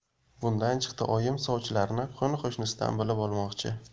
bundan chiqdi oyim sovchilarni qo'ni qo'shnisidan bilib olmoqchi